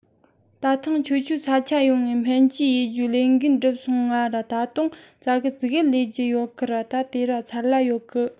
ད ཐེངས ཁྱེད ཆོ ས ཆ ཡོང ངས སྨན བཅོས ཡེད རྒྱུའོ ལས འགན འགྟུབ སོང ང ར ད རུང ཙ གེ ཙི གེ ཟིག ལས རྒྱུ ཡོད གི ར དེ ར ཚར ལ ཡོད གི